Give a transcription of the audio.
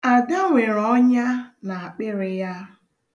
Ada nwere ọnya na-akpịrị ya.